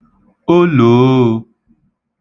olòoō